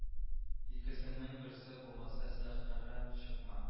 Икесенең берсе булмаса сәхнәгә чыкма